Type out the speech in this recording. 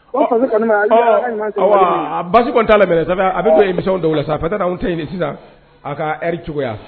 Basi t'a lam a bɛmiw da la sa a tɛ yen nin sisan a ka ɛri cogoya